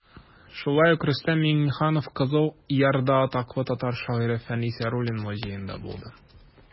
Шулай ук Рөстәм Миңнеханов Кызыл Ярда атаклы татар шагыйре Фәнис Яруллин музеенда булды.